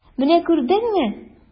Менә күрдеңме!